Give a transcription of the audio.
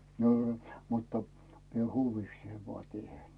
niin oli mutta minä huvikseni vain teen